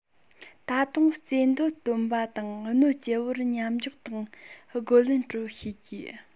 ད དུང རྩེ འདོད སྟོན པ དང གནོད སྐྱེལ བར མཉམ འཇོག དང རྒོལ ལན སྤྲོད ཤེས དགོས